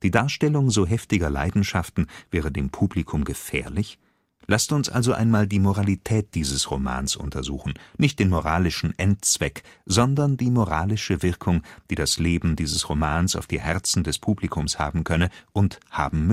Darstellung so heftiger Leidenschaften wäre dem Publikum gefährlich? […] Laßt uns also einmal die Moralität dieses Romans untersuchen, nicht den moralischen Endzweck, sondern die moralische Wirkung, die das Leben dieses Romans auf die Herzen des Publikums haben könne und haben